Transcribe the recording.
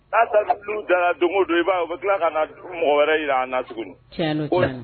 N'a datur'u dara dɔnɔ don i b'a ye, u bɛ tila ka na mɔgɔ wɛrɛ jira a na tuguni, tiɲɛ don